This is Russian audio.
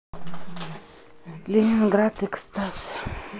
ленинград экстаз